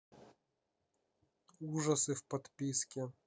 ужасы в подписке